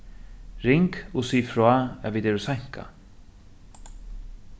ring og sig frá at vit eru seinkað